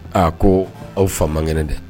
Aa! ko, aw fa mankɛnɛ dɛ.